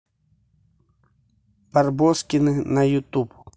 барбоскины на ютуб